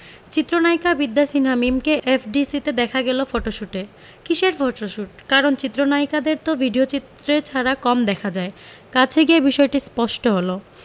চিত্রনায়িকা বিদ্যা সিনহা মিমকে এফডিসিতে দেখা গেল ফটোশুটে কিসের ফটোশুট কারণ চিত্রনায়িকাদের তো ভিডিওচিত্রে ছাড়া কম দেখা যায় কাছে গিয়ে বিষয়টি স্পষ্ট হলো